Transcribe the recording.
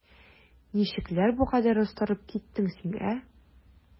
Ничекләр бу кадәр остарып киттең син, ә?